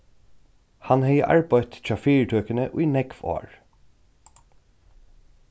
hann hevði arbeitt hjá fyritøkuni í nógv ár